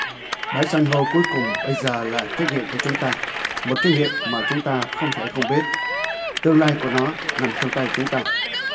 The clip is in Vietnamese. bãi san hô cuối cùng bây giờ là trách nhiệm của chúng ta một trách nhiệm mà chúng ta không thể không biết tương lai của nó nằm trong tay chúng ta